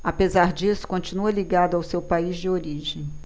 apesar disso continua ligado ao seu país de origem